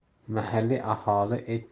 mahalliy aholi etnik